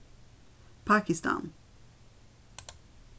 pakistan